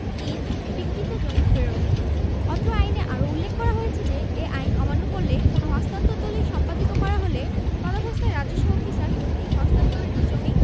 ৩ বিক্রীত জমি ফেরত অত্র আইনে আরো উল্লেখ করা হয়েছে যে এ আইন অমান্য করে কোনও হস্তান্তর দলিল সম্পাদিত করা হলে তদবস্থায় রাজস্ব অফিসার কর্তৃক হস্তান্তরিত জমি